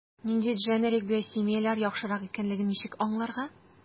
Нинди дженерик/биосимиляр яхшырак икәнлеген ничек аңларга?